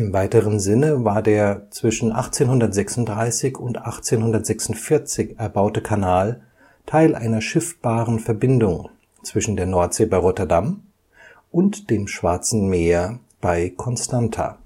weiteren Sinne war der zwischen 1836 und 1846 erbaute Kanal Teil einer schiffbaren Verbindung zwischen der Nordsee bei Rotterdam und dem Schwarzen Meer bei Constanța